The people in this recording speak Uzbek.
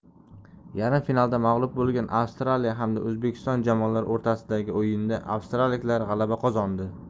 yarim finalda mag'lub bo'lgan avstraliya hamda o'zbekiston jamoalari o'rtasidagi o'yinda avstraliyaliklar g'alaba qozondi